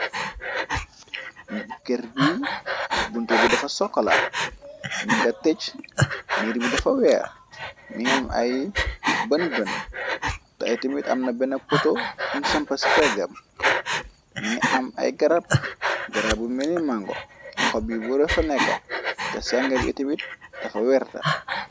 Kër bi bunte bi dafa sokkala ni nga tëj miiri bi dafa weex mi nga am ay bën bën te itimit am na benn poto pun sampa ci pay gam mi nga am ay garab garabu meni mango xob yi bure fa nekka te sanga bi itimit dafa weerta.